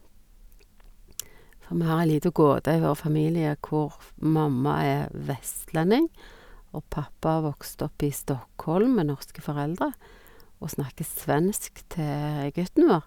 For vi har ei lita gåte i vår familie, hvor f mamma er vestlending, og pappa har vokst opp i Stockholm med norske foreldre og snakker svensk til gutten vår.